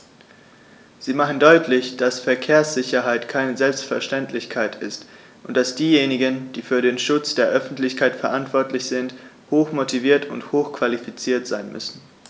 Sie machen deutlich, dass Verkehrssicherheit keine Selbstverständlichkeit ist und dass diejenigen, die für den Schutz der Öffentlichkeit verantwortlich sind, hochmotiviert und hochqualifiziert sein müssen.